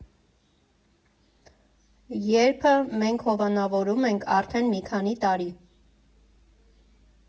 Ե՞րբ»֊ը մենք հովանավորում ենք արդեն մի քանի տարի։